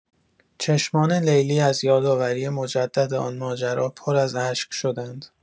چشمان لیلی از یادآوری مجدد آن ماجرا، پر از اشک شدند.